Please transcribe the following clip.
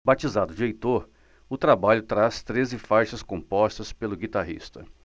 batizado de heitor o trabalho traz treze faixas compostas pelo guitarrista